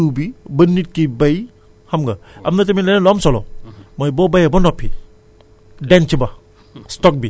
loolu daal am na solo waaye xam nga sànq ci bi ñuy wax ci mbirum jiwu da nga ne jiwu bi ba nit ki bay xam nga